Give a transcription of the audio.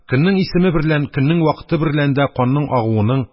Көннең исеме берлән, көннең вакыты берлән дә канның агуының,